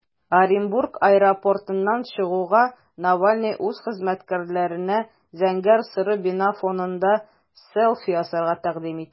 Оренбург аэропортыннан чыгуга, Навальный үз хезмәткәрләренә зәңгәр-соры бина фонында селфи ясарга тәкъдим итә.